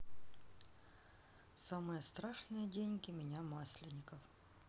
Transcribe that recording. самые страшные деньги меня масленников